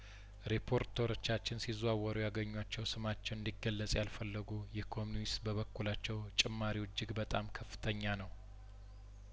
ሪፖርተሮቻችን ሲዘዋወሩ ያገኟቸው ስማቸው እንዲ ገለጽ ያልፈለጉ የኮሚኒስ በበኩላቸው ጭማሪው እጅግ በጣም ከፍተኛ ነው